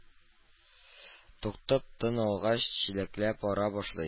Туктап тын алгач, чиләкләп ора башлый